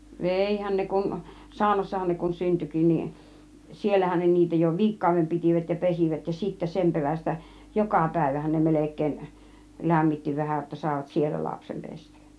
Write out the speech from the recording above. veihän ne kun saunassahan ne kun syntyikin niin siellähän ne niitä jo viikkokauden pitivät ja pesivät ja sitten sen perästä joka päivähän ne melkein lämmitti vähän jotta saivat siellä lapsen pestä